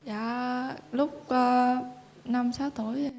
dạ ơ lúc ơ năm sáu tuổi ạ